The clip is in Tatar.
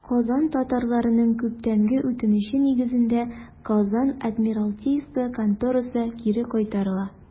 Казан татарларының күптәнге үтенече нигезендә, Казан адмиралтейство конторасы кире кайтарыла.